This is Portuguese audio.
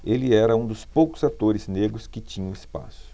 ele era um dos poucos atores negros que tinham espaço